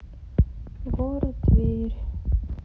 город тверь